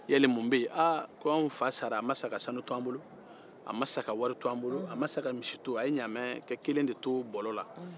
yali mun bɛ ye aaa ko anw fa sara a ma sa ka sanu to an bolo a ma sa ka wari to an bolo a sa ka misi to a sara ka ɲamɛkɛkelen de to